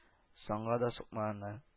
Санга да сукмаганнар